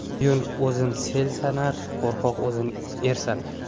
quyun o'zin sel sanar qo'rqoq o'zin er sanar